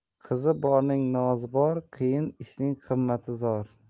qizi borning nozi bor qiyin ishning qimmati zo'r